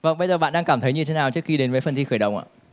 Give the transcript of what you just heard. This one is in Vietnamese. vâng bây giờ bạn đang cảm thấy như thế nào trước khi đến với phần thi khởi động ạ